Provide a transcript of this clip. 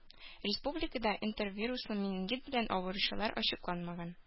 Республикада энтеровируслы менингит белән авыручылар ачыкланмаган.